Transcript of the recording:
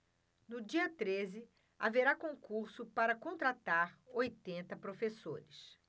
no dia treze haverá concurso para contratar oitenta professores